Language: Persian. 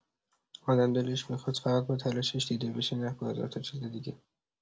آدم دلش می‌خواد فقط با تلاشش دیده بشه، نه با هزار تا چیز دیگه.